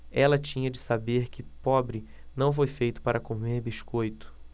ela tinha de saber que pobre não foi feito para comer biscoito